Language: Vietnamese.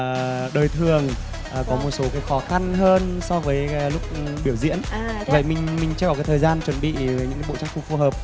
đời thường và có một số khó khăn hơn so với lúc biểu diễn mình mình chờ thời gian chuẩn bị những bộ trang phục phù hợp